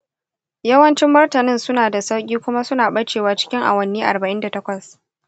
yawancin martanin suna da sauƙi kuma suna ɓacewa cikin awanni arba’in da takwas.